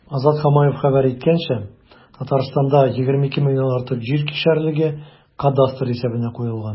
Азат Хамаев хәбәр иткәнчә, Татарстанда 22 меңнән артык җир кишәрлеге кадастр исәбенә куелган.